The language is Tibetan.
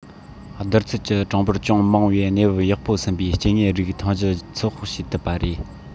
བསྡུར ཚད ཀྱི གྲངས འབོར ཅུང མང བའི གནས བབ ཡག པོ ཟིན པའི སྐྱེ དངོས རིགས མཐོང རྒྱུ ཚོད དཔག བྱེད ཐུབ པ རེད